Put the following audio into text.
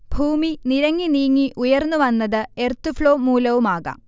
ഭൂമി നിരങ്ങി നീങ്ങി ഉയർന്നുവന്നത് എർത്ത്ഫ്ളോ മൂലവുമാകാം